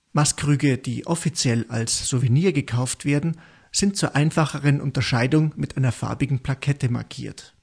Maßkrüge, die offiziell als Souvenir gekauft werden, sind zur einfacheren Unterscheidung mit einer farbigen Plakette markiert